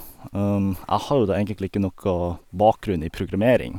Jeg har jo da egentlig ikke nokka bakgrunn i programmering.